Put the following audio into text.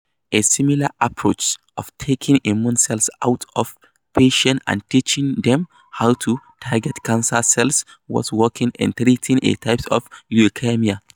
A similar approach of taking immune cells out of patients and "teaching" them how to target cancer cells has worked in treating a type of leukaemia.